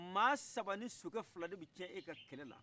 mɔgɔ saba ni sokɛ fila de bɛ tiɲɛ e ka kɛlɛ la